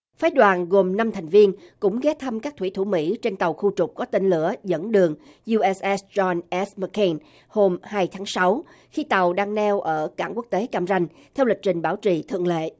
phái đoàn gồm năm thành viên cũng ghé thăm các thủy thủ mỹ trên tàu khu trục có tên lửa dẫn đường diu ét ét gion ét mơ kên hôm hai tháng sáu khi tàu đang neo ở cảng quốc tế cam ranh theo lịch trình bảo trì thường lệ